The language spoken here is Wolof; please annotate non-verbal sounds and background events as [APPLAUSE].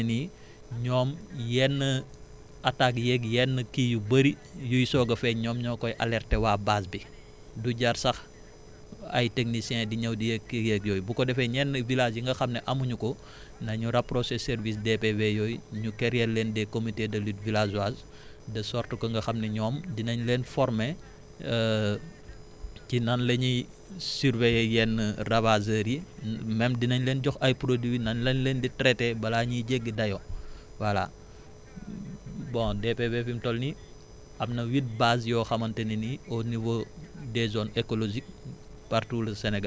nga xamante ne ni ñoom yenn attaques yeeg yenn kii yu bëri yuy soog a feeñ ñoom ñoo koy alerter waa base bi du jar sax ay techniciens di ñëw di yéeg kii yeeg yooyu bu ko defee ñenn village yi nga xam ne amuñu ko [BREATH] nañu rapprocher service DPV yooyu ñu créer leen des comités de lutte villageoise [BREATH] de sorte que nga xam ne ñoom dinañ leen former [HESITATION] ci nan la ñuy surveiller yenn ravageurs yi même dinañ leen jox ay produits nan lañ leen di traiter balaa ñuy jéggi dayoo [BREATH] voilà bon DPV fi mu toll nii am na huit bases yoo xamante ne ni au niveau des zones écologiques